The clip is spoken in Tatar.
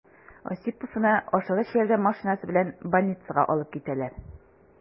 Осиповны «Ашыгыч ярдәм» машинасы белән больницага алып китәләр.